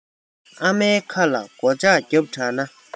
ཨ མའི ཁ ལ སྒོ ལྕགས བརྒྱབ དྲགས ན